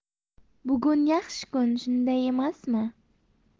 bugun yaxshi kun shunday emasmi